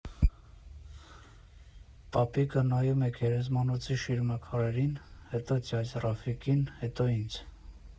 Պապիկը նայում է գերեզմանոցի շիրմաքարերին, հետո ձյաձ Ռաֆիկին, հետո ինձ։